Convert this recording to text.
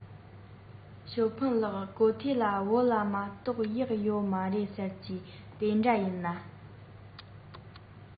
ཞའོ ཧྥུང ལགས གོ ཐོས ལ བོད ལ མ གཏོགས གཡག ཡོད མ རེད ཟེར གྱིས དེ འདྲ ཡིན ན